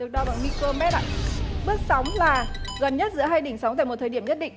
được đo bằng mi cơ mét ạ bước sóng là gần nhất giữa hai đỉnh sóng tại một thời điểm nhất định